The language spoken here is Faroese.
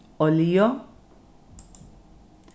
olju